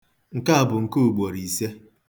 Nke a bụ nke ugboro ise.